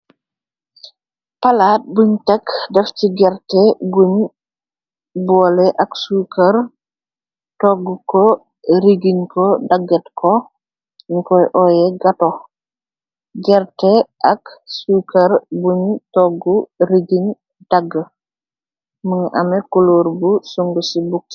Palaat buñ tagg def ci gerte guñ boole ak sukër togg ko riggin ko daggat ko nikoy oye gatox gerte ak suikër buñ toggu riggin tagg mëng ame kuluur bu sung ci bukki.